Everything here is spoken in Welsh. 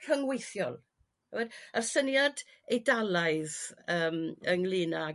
rhyngweithiol. 'W'od. Y syniad Eidalaidd yrm ynglŷn ag